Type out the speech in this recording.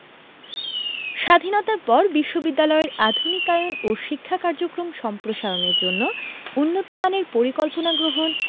স্বাধীনতার পর বিশ্ববিদ্যালয়ের আধুনিকায়ন ও শিক্ষা কার্যক্রম সম্প্রসারণের জন্য উন্নতমানের পরিকল্পনা গ্রহণ